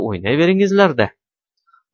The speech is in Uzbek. o'ynay beringlar da